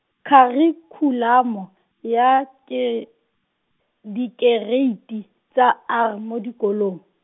Kharikhulamo, ya ke, Dikereiti tsa R mo dikolong.